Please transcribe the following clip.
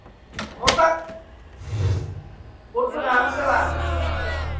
màu sắc bốn phương án sẽ là